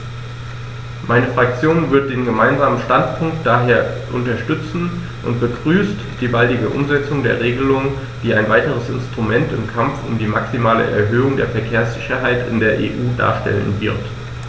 Meine Fraktion wird den Gemeinsamen Standpunkt daher unterstützen und begrüßt die baldige Umsetzung der Regelung, die ein weiteres Instrument im Kampf um die maximale Erhöhung der Verkehrssicherheit in der EU darstellen wird.